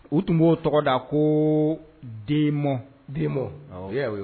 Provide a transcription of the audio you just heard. U tun b'o tɔgɔ da ko denbo denbo y'a ye